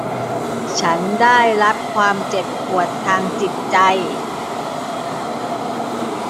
ฉันได้รับความเจ็บปวดทางจิตใจ